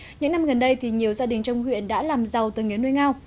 những năm gần đây thì nhiều gia đình trong huyện đã làm giàu từ nghề nuôi ngao